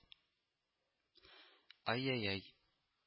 — ай-яй-яй